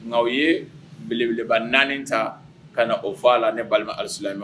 Nka u ye belebeleba naani ta ka na o fɔ a la ne balima alisilayi